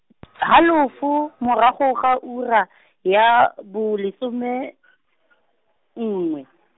halofo, morago ga ura , ya bolesome , nngwe.